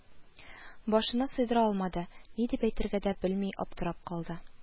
Башына сыйдыра алмады, ни дип әйтергә дә белми аптырап калды